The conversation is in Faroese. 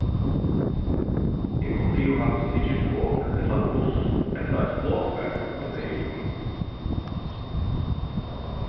eg kundi jú havt tikið tok ella buss ella eitt flogfar um eg legði í